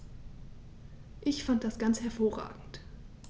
Ich fand das ganz hervorragend.